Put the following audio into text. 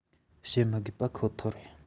བཤད མི དགོས པ ཁོ ཐག རེད